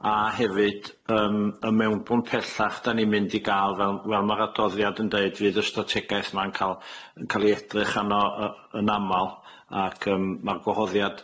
A hefyd yym y mewnbwn pellach 'dan ni'n mynd i ga'l fel fel ma'r adoddiad yn deud, fydd y strategaeth ma'n ca'l yn ca'l 'i edrych arno yy yn amal, ac yym ma'r gwahoddiad